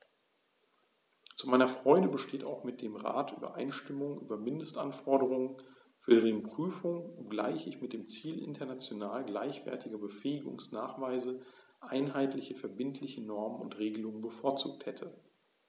Zu meiner Freude besteht auch mit dem Rat Übereinstimmung über Mindestanforderungen für deren Prüfung, obgleich ich mit dem Ziel international gleichwertiger Befähigungsnachweise einheitliche verbindliche Normen und Regelungen bevorzugt hätte.